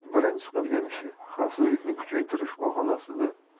birinchi qilgan ishi xavfsizlikni kuchaytirish bahonasida